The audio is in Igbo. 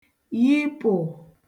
yipụ̀